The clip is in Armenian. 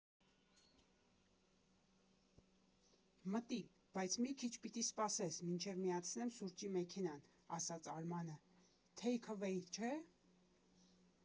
Մտի, բայց մի քիչ պիտի սպասես, մինչև միացնեմ սուրճի մեքենան, ֊ ասաց Արմանը, ֊ թեյք֊ըվեյ, չէ՞։